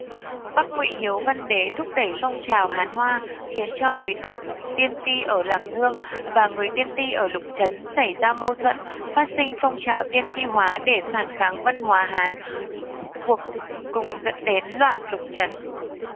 bắc ngụy hiếu văn đế thúc đẩy phong trào hán hóa khiến cho quý tộc tiên ti ở lạc dương và người tiên ti ở lục trấn xảy ra mâu thuẫn phát sinh phong trào tiên ti hóa để phản kháng văn hóa hán cuộc cùng dẫn đến loạn lục trấn